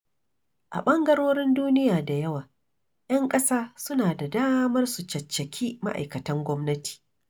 A ɓangarorin duniya da yawa, 'yan ƙasa suna da damar su caccaki ma'aikatan gwamnati.